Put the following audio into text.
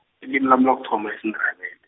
ilimi lami lokuthoma siNdebele.